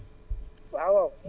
waawaaw